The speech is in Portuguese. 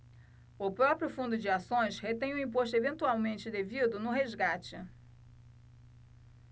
o próprio fundo de ações retém o imposto eventualmente devido no resgate